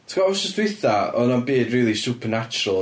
Ti'n gwbod wythnos dwytha, oedd yna na ddim byd rili supernatural.